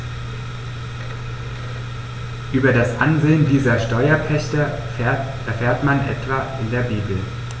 Über das Ansehen dieser Steuerpächter erfährt man etwa in der Bibel.